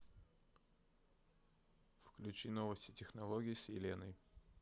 включи новости технологий с еленой